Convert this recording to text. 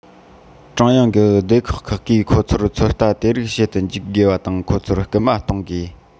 ཀྲུང དབྱང གི སྡེ ཁག ཁག གིས ཁོ ཚོར ཚོད ལྟ དེ རིགས བྱེད དུ འཇུག དགོས པ དང ཁོ ཚོར བསྐུལ མ གཏོང དགོས